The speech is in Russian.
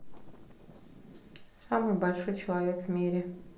самый большой человек в мире